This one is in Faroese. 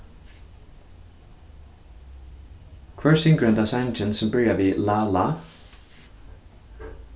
hvør syngur hendan sangin sum byrjar við la la